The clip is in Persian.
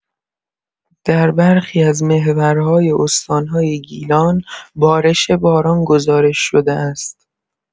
در برخی از محورهای استان‌های گیلان بارش باران گزارش شده است.